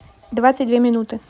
двадцать две минуты